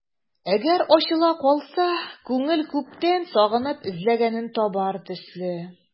Әгәр ачыла калса, күңел күптән сагынып эзләгәнен табар төсле...